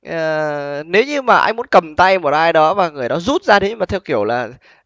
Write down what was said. ờ nếu như mà anh muốn cầm tay một ai đó và người đó rút ra đấy mà theo kiểu là